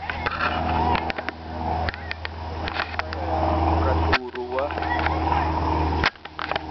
เปิดประตูรั้ว